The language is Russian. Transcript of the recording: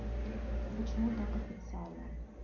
а почему так официально